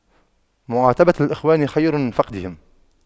معاتبة الإخوان خير من فقدهم